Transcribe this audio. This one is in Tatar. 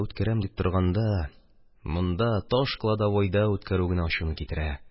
Үткәрәм дип торганда, монда, таш кладовойда үткәрү генә ачуны китерә.